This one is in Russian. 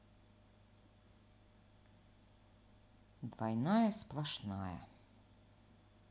двойная сплошная